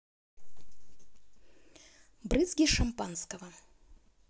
брызги шампанского